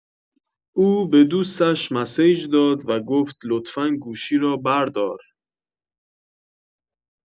او به دوستش مسیج داد و گفت لطفا گوشی را بردار